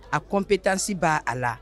A kɔnp taasi ba a la